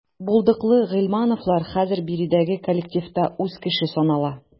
Булдыклы гыйльмановлар хәзер биредәге коллективта үз кеше санала.